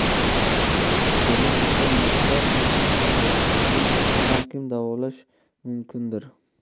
selim itdan battar maxluq edi quturgan itni balki davolash mumkindir